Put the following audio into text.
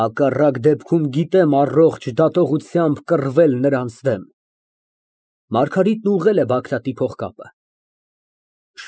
Հակառակ դեպքում գիտեմ առողջ դատողությամբ կռվել նրանց դեմ։ (Մարգարիտն ուղղել է Բագրատի փողկապը)։